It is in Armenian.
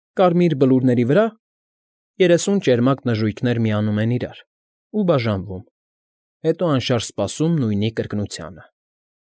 Կարմիր բլուրների վրա Երեսուն ճերմակ նժույգներ Միանում են իրար Ու բաժանվում, Հետո անշարժ սպասում Նույնի կրկնությանը։